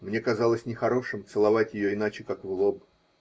Мне казалось нехорошим целовать ее иначе, как в лоб